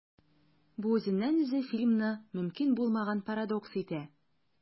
Бу үзеннән-үзе фильмны мөмкин булмаган парадокс итә.